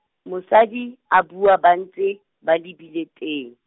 mosadi, a bua ba ntse, ba lebile teng.